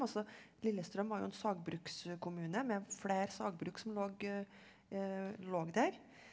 altså Lillestrøm var jo en sagbrukskommune med flere sagbruk som lå lå der.